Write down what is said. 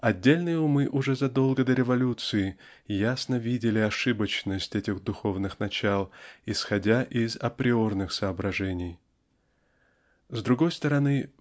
Отдельные умы уже задолго до революции ясно видели ошибочность этих духовных начал исходя из априорных соображений с другой стороны